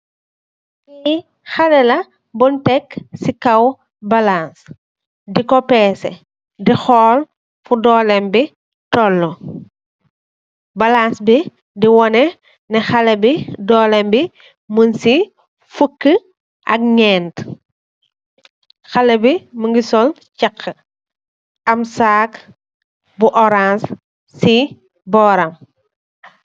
Ki xalèh la buñ tek ci kaw ap balasi diko peeceh , di xol fu dólem bi tollu , balas bi di waneh neh xalèh bi dólem bi mugeh ci fukki ak ñénti . Xalèh bi mugeh sol caxa am sag bu orans ci boram.